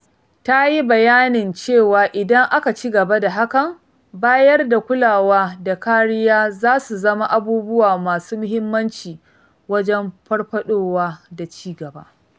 Ta yi bayanin cewa idan aka cigaba da hakan, bayar da kulawa da kariya za su zama abubuwa masu muhimmanci wajen farfaɗowa da cigaba.